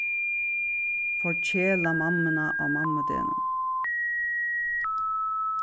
forkela mammuna á mammudegnum